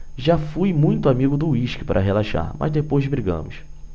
já fui muito amigo do uísque para relaxar mas depois brigamos